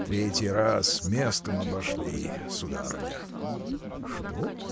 – Третий раз местом обошли, сударыня. – Что?